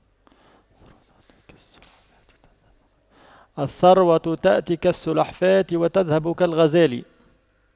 الثروة تأتي كالسلحفاة وتذهب كالغزال